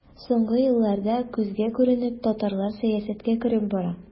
Соңгы елларда күзгә күренеп татарлар сәясәткә кереп бара.